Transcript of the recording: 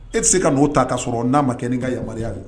E tɛ se ka n'o ta ka sɔrɔ n'a ma kɛ n ka yamaruya ye wo.